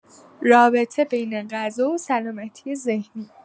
رابطه بین غذا و سلامتی ذهنی